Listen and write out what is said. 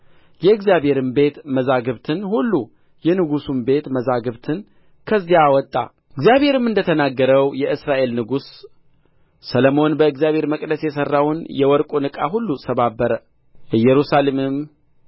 የእግዚአብሔርም ቤት መዛግብትን ሁሉ የንጉሡም ቤት መዛግብትን ከዚያ አወጣ እግዚአብሔርም እንደ ተናገረው የእስራኤል ንጉሥ ሰሎሞን በእግዚአብሔር መቅደስ የሠራውን የወርቁን ዕቃ ሁሉ ሰባበረ ኢየሩሳሌምንም